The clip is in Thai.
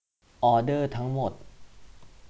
ออเดอร์ทั้งหมด